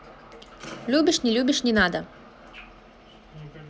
любишь не любишь не надо